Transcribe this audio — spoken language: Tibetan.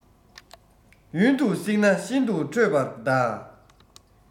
ཡུན དུ བསྲིངས ན ཤིན ཏུ འཕྲོད པར གདའ